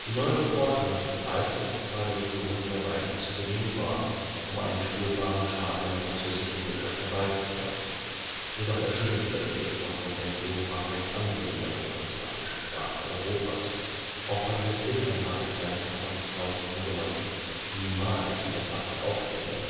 neuere Forschung hat gezeigt, dass die Zahl der Geflohenen bei weitem zu gering war, um einen spürbaren Schaden in der französischen Wirtschaft herbeizuführen. Jedoch erschütterte das Edikt von Fontainebleau Frankreichs Ansehen bei den protestantischen Staaten Europas, auch konvertierte ein harter Kern von 20.000 Hugenotten niemals und entfachte Aufstände